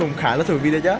cũng khá là thú vị đấy chơ